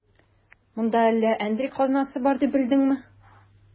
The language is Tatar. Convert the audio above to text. Монда әллә әндри казнасы бар дип белдеңме?